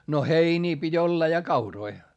no heiniä piti olla ja kauroja